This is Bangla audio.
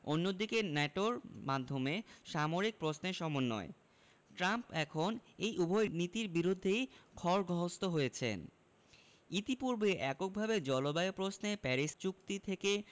অন্যদিকে ন্যাটোর মাধ্যমে সামরিক প্রশ্নে সমন্বয় ট্রাম্প এখন এই উভয় নীতির বিরুদ্ধেই খড়গহস্ত হয়েছেন ইতিপূর্বে এককভাবে জলবায়ু প্রশ্নে প্যারিস চুক্তি থেকে